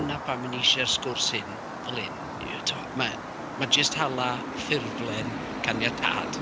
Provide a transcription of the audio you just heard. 'Na pam 'y ni isie'r sgwrs hyn fel hyn, yy ti'n gwybod, ma' ma' jyst hala ffurflen caniatâd.